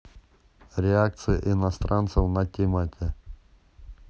реакции иностранцев на тимати